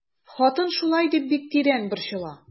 Хатын шулай дип бик тирән борчыла.